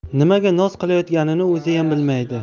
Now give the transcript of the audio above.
nimaga noz qilayotganini o'ziyam bilmaydi